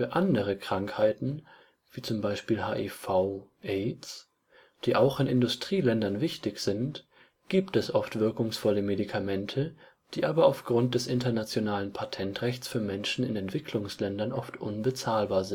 andere Krankheiten wie z. B. HIV/AIDS die auch in Industrieländern wichtig sind, gibt es oft wirkungsvolle Medikamente, die aber aufgrund des internationalen Patentrechts für Menschen in Entwicklungsländern oft unbezahlbar